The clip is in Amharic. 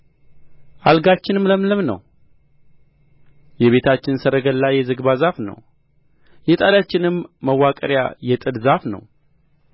አልጋችንም ለምለም ነው የቤታችን ሰረገላ የዝግባ ዛፍ ነው የጣሪያችንም ማዋቀሪያ የጥድ ዛፍ ነው